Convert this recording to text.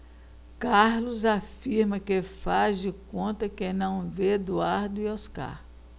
carlos afirma que faz de conta que não vê eduardo e oscar